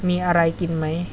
มีอะไรกินไหม